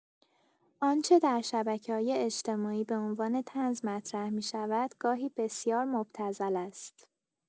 آنچه در شبکه‌های اجتماعی به عنوان طنز مطرح می‌شود، گاهی بسیار مبتذل است.